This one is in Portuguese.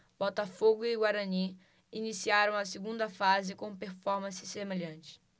botafogo e guarani iniciaram a segunda fase com performances semelhantes